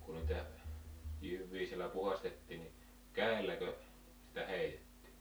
kun niitä jyviä siellä puhdistettiin niin kädelläkö sitä heitettiin